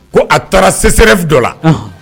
Ko a taara CSREF dɔ la